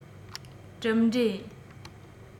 གྲུབ འབྲས